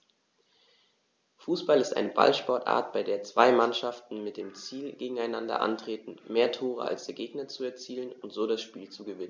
Fußball ist eine Ballsportart, bei der zwei Mannschaften mit dem Ziel gegeneinander antreten, mehr Tore als der Gegner zu erzielen und so das Spiel zu gewinnen.